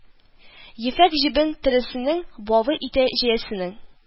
Ефәк җебен тәресенең Бавы итә җәясенең